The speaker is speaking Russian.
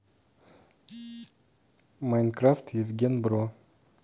майнкрафт евген бро